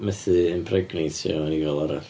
Methu impregneitio anifail arall.